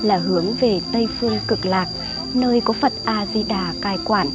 là hướng về tây phương cực lạc nơi có phật a di đà cai quản